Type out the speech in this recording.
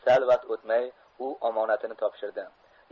sal vaqt o'tmay u omonatini topshirdi